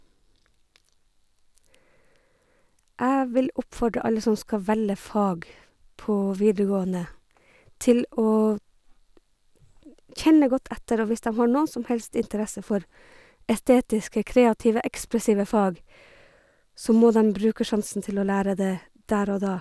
Jeg vil oppfordre alle som skal velge fag på videregående til å kjenne godt etter, og hvis dem har noen som helst interesse for estetiske, kreative, ekspressive fag, så må dem bruke sjansen til å lære det der og da.